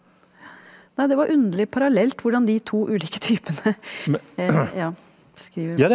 nei det var underlig parallelt hvordan de to ulike typene ja skriver.